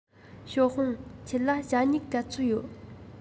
ཞའོ ཧུང ཁྱོད ལ ཞྭ སྨྱུག ག ཚོད ཡོད